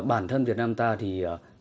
bản thân việt nam ta thì ờ